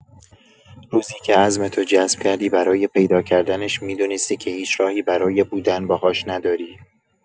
روزی که عزمتو جزم کردی برای پیدا کردنش می‌دونستی که هیچ راهی برای بودن باهاش نداری.